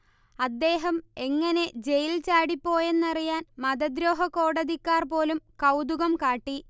അദ്ദേഹം എങ്ങനെ ജെയിൽ ചാടിപ്പോയെന്നറിയാൻ മതദ്രോഹക്കോടതിക്കാർ പോലും കൗതുകം കാട്ടി